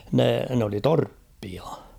ne ne oli torppia